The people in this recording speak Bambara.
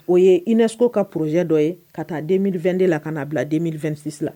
O ye iinɛso ka pze dɔ ye ka taa den miri2de la ka'a bila den miri27sira